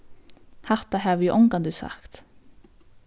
hatta havi eg ongantíð sagt